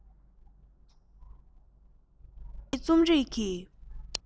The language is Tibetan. ཁྱོད ཉིད རྩོམ རིག གི